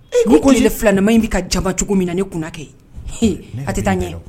Ko ko fila nama in bɛ ka jama cogo min na ne kunna kɛ h a tɛ taa n ɲɛ